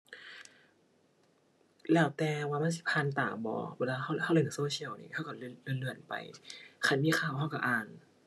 แล้วแต่ว่ามันสิผ่านตาบ่เวลาเรา เราเล่นโซเชียลนี่เราเราเลื่อน เลื่อนเลื่อนไป คันมีข่าวเราเราอ่าน